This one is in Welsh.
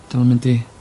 Diom yn mynd i...